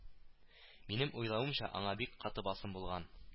Минем уйлавымча, аңа бик каты басым булган